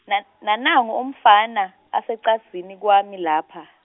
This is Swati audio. na- nanangu umfana, asecadzini kwami lapha.